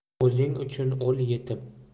o'zing uchun o'l yetim